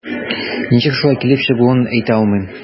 Ничек шулай килеп чыгуын әйтә алмыйм.